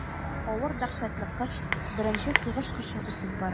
Авыр дәһшәтле кыш, беренче сугыш кышы үтеп бара.